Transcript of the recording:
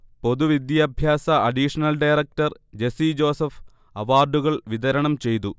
പൊതുവിദ്യാഭ്യാസ additional director Jessy Joseph അവാർഡുകൾ വിതരണംചെയ്തു